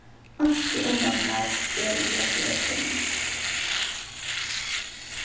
einki undantak er í hesi regluni